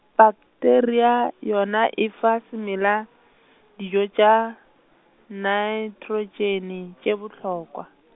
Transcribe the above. pakteria yona e fa semela , dijo tša, naetrotšene tše bohlokwa.